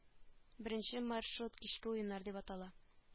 Беренче маршрут кичке уеннар дип атала